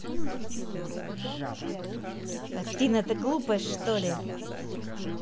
афина ты глупая что ли